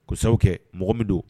Kɔsa kɛ mɔgɔ min don